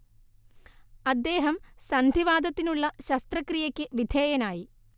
അദ്ദേഹം സന്ധിവാതത്തിനുള്ള ശസ്ത്രക്രിയക്ക് വിധേയനായി